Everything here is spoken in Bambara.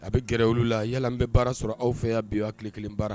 A bɛ gɛrɛ olu la yala baara sɔrɔ aw fɛ yan bi a tile kelen baara